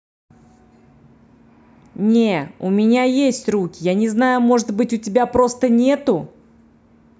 не у меня есть руки я не знаю может быть у тебя просто нету